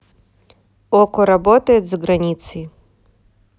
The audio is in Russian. okko работает за границей